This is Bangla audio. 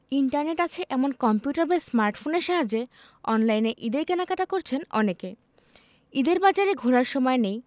ইন্টারনেট আছে এমন কম্পিউটার বা স্মার্টফোনের সাহায্যে অনলাইনে ঈদের কেনাকাটা করছেন অনেকে ঈদের বাজারে ঘোরার সময় নেই